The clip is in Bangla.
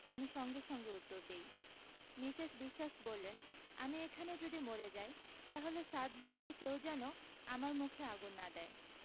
আমি সঙ্গে সঙ্গে উত্তর দিই মিসেস বিশ্বাস বললেন আমি এখানে যদি মরে যাই তাহলে সাত ভূতের কেউ যেন আমার মুখে আগুন না দেয়